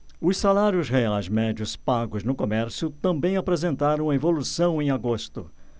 os salários reais médios pagos no comércio também apresentaram evolução em agosto